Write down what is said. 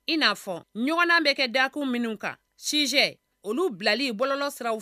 Ina fɔ ɲɔgɔn bɛ kɛ dakulu minnu kan sinjɛ olu bilali bololɔ siraraw